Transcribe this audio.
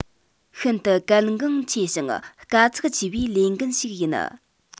ཤིན ཏུ གལ འགངས ཆེ ཞིང དཀའ ཚེགས ཆེ བའི ལས འགན ཞིག ཡིན